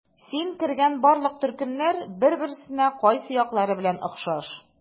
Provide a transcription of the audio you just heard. Син кергән барлык төркемнәр бер-берсенә кайсы яклары белән охшаш?